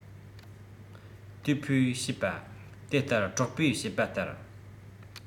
དེ ཕོས བཤད པ དེ ལྟར གྲོགས པོས བཤད པ ལྟར